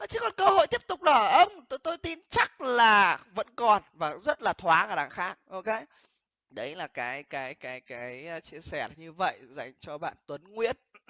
chứ còn cơ hội tiếp tục là ở ông tôi tôi tin chắc là vẫn còn và rất là thoáng là đằng khác ô kê đấy là cái cái cái cái chia sẻ nó như vậy giành cho bạn tuấn nguyễn